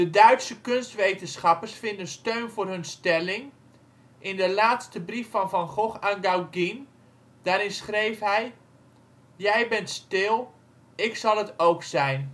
Duitse kunstwetenschappers vinden steun voor hun stelling in de laatste brief van Van Gogh aan Gauguin. Daarin schreef hij: " Jij bent stil, ik zal het ook zijn